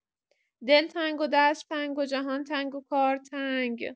دل‌تنگ و دست‌تنگ و جهان تنگ و کار تنگ.